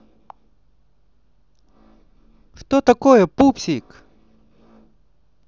что такое пупсик